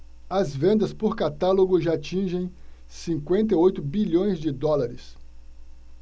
as vendas por catálogo já atingem cinquenta e oito bilhões de dólares